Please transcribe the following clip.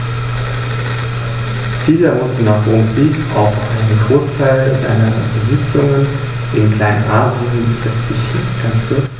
Dies führte zu oftmals unmäßigen Steuern, die die Wirtschaft dieser Gebiete auslaugte und immer wieder zu Aufständen führte.